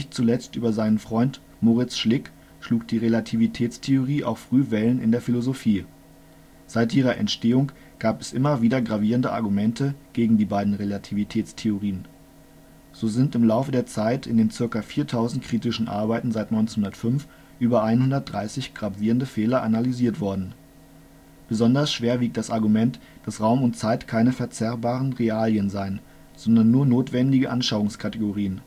zuletzt über seinen Freund Moritz Schlick schlug die Relativitätstheorie auch früh Wellen in der Philosophie. Seit ihrer Entstehung gab es immer wieder gravierende Argumente gegen die beiden Relativitätstheorien. So sind im Laufe der Zeit in den ca. 4.000 kritischen Arbeiten seit 1905 über 130 gravierende Fehler analysiert worden. Besonders schwer wiegt das Argument, dass Raum und Zeit keine verzerrbaren Realien seien, sondern nur notwendige Anschauungskategorien